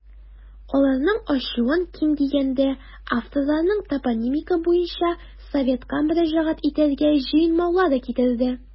Аларның ачуын, ким дигәндә, авторларның топонимика буенча советка мөрәҗәгать итәргә җыенмаулары китерде.